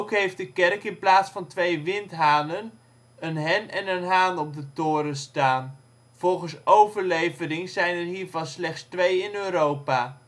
heeft de kerk in plaats van twee windhanen een hen en een haan op de toren staan, volgens overlevering zijn er hiervan slechts twee in Europa